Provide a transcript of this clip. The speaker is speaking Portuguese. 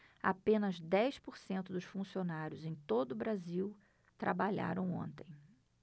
apenas dez por cento dos funcionários em todo brasil trabalharam ontem